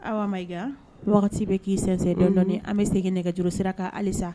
Aw ma wagati bɛ k'i sansɛ dɔn an bɛ segin nɛgɛjuru sira kan halisa